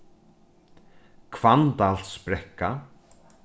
hvanndalsbrekka